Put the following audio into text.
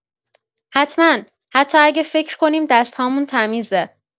حتما، حتی اگه فکر کنیم دست‌هامون تمیزه.